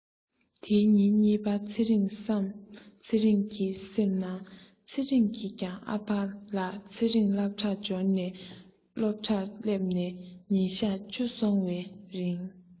དེའི ཉིན གཉིས པར ཚེ རིང བསམ ཚེ རིང གི སེམས ནང ཚེ རིང གིས ཀྱང ཨ ཕ ལ ཚེ རིང སློབ གྲྭར འབྱོར ནས སློབ གྲྭར སླེབས ནས ཉིན གཞག བཅུ སོང བའི རིང